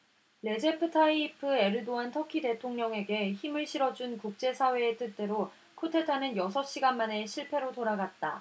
레제프 타이이프 에르도안 터키 대통령에게 힘을 실어준 국제사회의 뜻대로 쿠데타는 여섯 시간 만에 실패로 돌아갔다